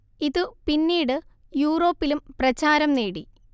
ഇതു പിന്നീടു യൂറോപ്പിലും പ്രചാരം നേടി